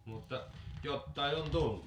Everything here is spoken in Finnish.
mutta jotakin on tullut